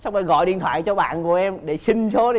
xong rồi gọi điện thoại cho bạn của em để xin số